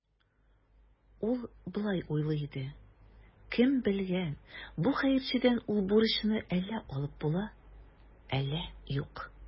Ул болай уйлый иде: «Кем белгән, бу хәерчедән ул бурычны әллә алып була, әллә юк".